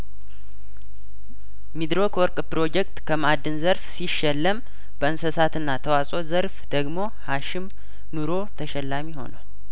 ሚድሮክ ወርቅ ፕሮጀክት ከማእድን ዘርፍ ሲሸለም በእንሳስትና ተዋጽኦ ዘርፍ ደግሞ ሀሺም ኑሮ ተሸላሚ ሆኗል